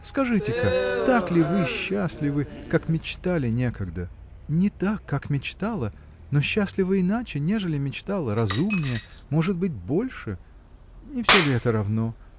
Скажите-ка, так ли вы счастливы, как мечтали некогда? – Не так, как мечтала. но счастлива иначе нежели мечтала разумнее может быть больше – не все ли это равно?.